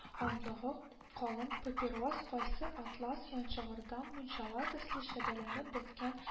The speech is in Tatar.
Нлыгы калын папирос, кайсы атлас янчагардан мунчала төсле чәбәләнеп беткән